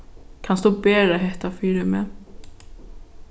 kanst tú bera hetta fyri meg